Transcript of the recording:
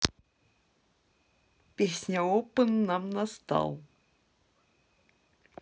песня open нам настал